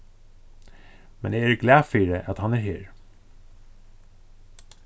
men eg eri glað fyri at hann er her